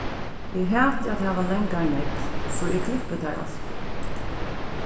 eg hati at hava langar negl so eg klippi tær altíð